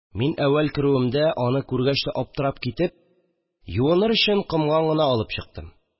Мин әүвәл керүемдә аны күргәч тә аптырап китеп, юыныр өчен комган гына алып чыктым